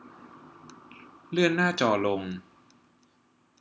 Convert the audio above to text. เลื่อนหน้าจอลง